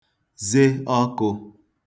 ze ọkụ̄